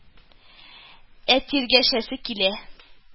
Ә тиргәшәсе килсә